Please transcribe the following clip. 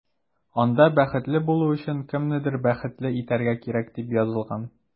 Анда “Бәхетле булу өчен кемнедер бәхетле итәргә кирәк”, дип язылган.